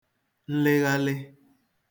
nlịghalị